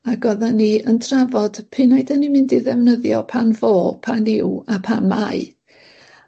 ac oddan ni yn trafod p'un ai 'dyn ni mynd i ddefnyddio pan fo, pan yw, a pan mae